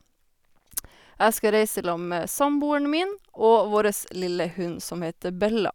Jeg skal reise i lag med samboeren min og vårres lille hund som heter Bella.